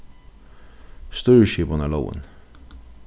stýrisskipanarlógin